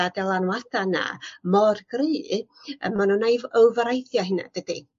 a dylanwada 'na mor gry a ma' n'w eif- ofereidio hynna dydi?